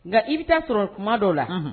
Nka i bɛ taa sɔrɔ kuma dɔ la